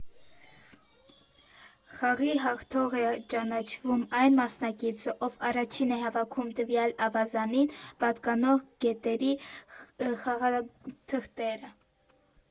Խաղի հաղթող է ճանաչվում այն մասնակիցը, ով առաջինն է հավաքում տվյալ ավազանին պատկանող գետերի խաղաթղթերը։